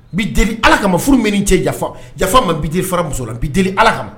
N bi deli ala kama furu min cɛ yafa jafa man bi deli fara muso la n bi deli ala kama